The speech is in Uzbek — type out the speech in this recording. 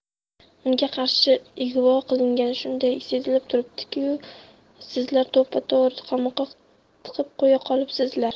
unga qarshi ig'vo qilingani shunday sezilib turibdi ku sizlar to'ppa to'g'ri qamoqqa tiqib qo'ya qolibsizlar